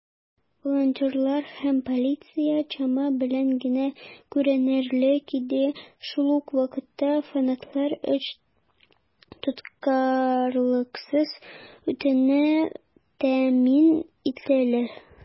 Волонтерлар һәм полиция чама белән генә күренерлек иде, шул ук вакытта фанатлар өчен тоткарлыксыз үтүне тәэмин иттеләр.